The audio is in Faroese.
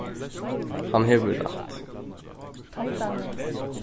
hann hevur rætt